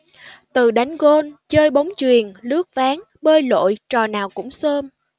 từ đánh golf chơi bóng chuyền lướt ván bơi lội trò nào cũng xôm